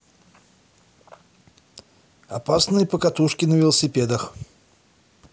опасные покатушки на велосипедах